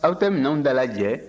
aw tɛ minanw dalajɛ